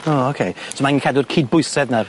O ocê so ma'n cadw'r cydbwysedd 'na.